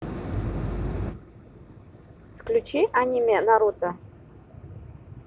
включи аниме наруто